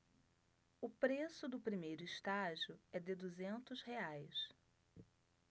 o preço do primeiro estágio é de duzentos reais